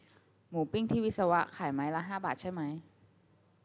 หมูปิ้งที่วิศวะขายไม้ละห้าบาทใช่ไหม